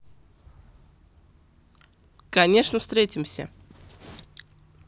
конечно встретимся